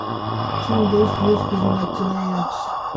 chin do'st yuz xizmatchidan yaxshi